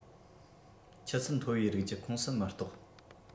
ཆུ ཚད མཐོ བའི རིགས གྱི ཁོངས སུ མི གཏོགས